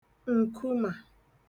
ǹkumà